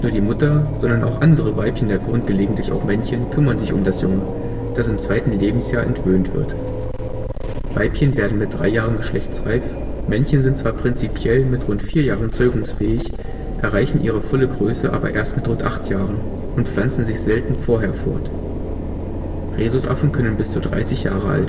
die Mutter, sondern auch andere Weibchen der Gruppe und gelegentlich auch Männchen kümmern sich um das Junge, das im zweiten Lebenshalbjahr entwöhnt wird. Weibchen werden mit drei Jahren geschlechtsreif; Männchen sind zwar prinzipiell mit rund vier Jahren zeugungsfähig, erreichen ihre volle Größe aber erst mit rund acht Jahren und pflanzen sich selten vorher fort. Rhesusaffen können bis zu 30 Jahre alt werden